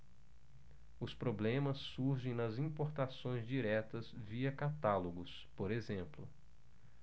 os problemas surgem nas importações diretas via catálogos por exemplo